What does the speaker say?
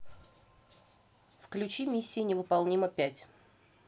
включи миссия невыполнима пять